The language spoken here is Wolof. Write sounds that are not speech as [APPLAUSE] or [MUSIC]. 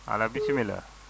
voilà [NOISE] bisimilah